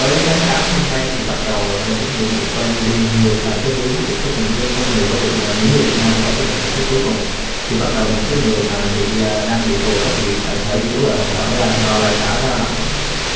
tới tháng tám năm nay thì bắt đầu bên chính phủ mỹ coi như đi ngược lại cái hướng trục xuất những ngứa có người ở việt nam những người việt nam có cái lệnh trục xuất cuối cùng thì bắt đầu những cái người mà bị đang bị tù đó thì lại sở di trú họ thở ra họ lại thả ra lại